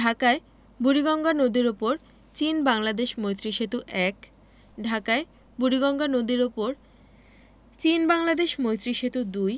ঢাকায় বুড়িগঙ্গা নদীর উপর চীন বাংলাদেশ মৈত্রী সেতু ১ ঢাকায় বুড়িগঙ্গা নদীর উপর চীন বাংলাদেশ মৈত্রী সেতু ২